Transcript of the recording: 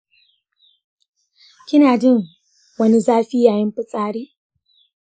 kina jin wani zafi yayin fitsari?